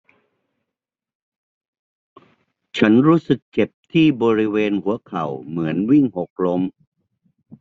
ฉันรู้สึกเจ็บที่บริเวณหัวเข่าเหมือนวิ่งหกล้ม